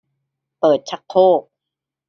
เปิดชักโครก